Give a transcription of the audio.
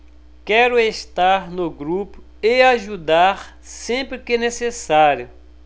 quero estar no grupo e ajudar sempre que necessário